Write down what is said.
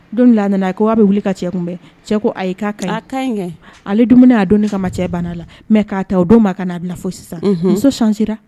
Don min na a nana , a ko k'a bɛ wuli ka cɛ kunbɛn , cɛ ko ayi k'a kaɲin kɛ , a kaɲin kɛ, ale dun bɛna don min kama, cɛ bann'a la mais k'a ta o don na ka na bila fo sisan, unhun , muso changer la